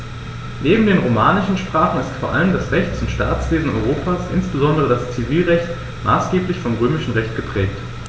Neben den romanischen Sprachen ist vor allem das Rechts- und Staatswesen Europas, insbesondere das Zivilrecht, maßgeblich vom Römischen Recht geprägt.